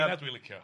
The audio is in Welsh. Heina dwi'n licio.